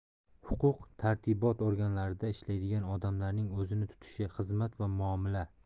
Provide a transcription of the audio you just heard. huquq tartibot organlarida ishlaydigan odamlarning o'zini tutishi xizmat va muomala